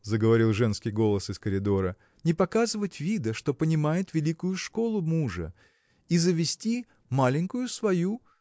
– заговорил женский голос из коридора – не показывать вида что понимает великую школу мужа и завести маленькую свою